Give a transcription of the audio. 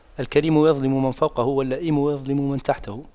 الكريم يظلم من فوقه واللئيم يظلم من تحته